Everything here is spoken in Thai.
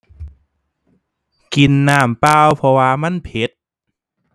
กินน้ำเปล่า เพราะว่ามันเผ็ด